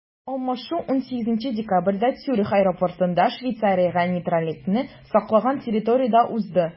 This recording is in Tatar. Алмашу 18 декабрьдә Цюрих аэропортында, Швейцариягә нейтральлекне саклаган территориядә узды.